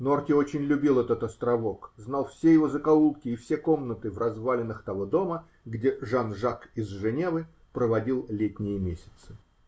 Норти очень любил этот островок, знал все его закоулки и все комнаты в развалинах того дома, где "Жан-Жак из Женевы" проводил летние месяцы.